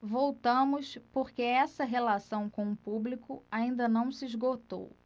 voltamos porque essa relação com o público ainda não se esgotou